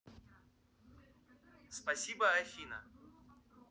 спасибо афина